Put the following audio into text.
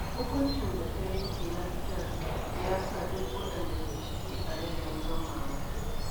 Hukuncin da ta yanke na fitar ya sa duk waɗanda ke ciki a yanayin ban mamaki.